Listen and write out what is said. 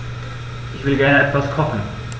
Ich will gerne etwas kochen.